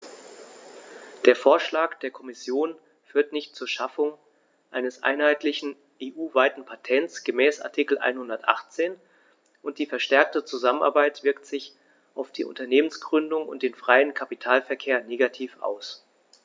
Der Vorschlag der Kommission führt nicht zur Schaffung eines einheitlichen, EU-weiten Patents gemäß Artikel 118, und die verstärkte Zusammenarbeit wirkt sich auf die Unternehmensgründung und den freien Kapitalverkehr negativ aus.